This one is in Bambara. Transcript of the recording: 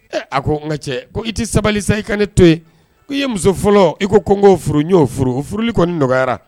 Ee a ko n ka cɛ ko i tɛ sabalisa i ka ne to yen ko i ye muso fɔlɔ i ko ngɔ'o furu y'o furu furu kɔni nɔgɔyayara